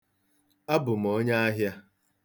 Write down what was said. Abụ m onye ahịa.